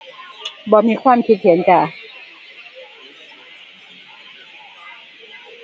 บ่มีความคิดเห็นจ้า